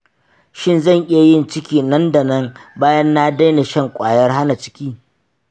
shin zan iya yin ciki nan da nan bayan na daina shan kwayar hana ciki?